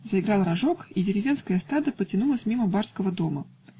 Заиграл рожок, и деревенское стадо потянулось мимо барского двора.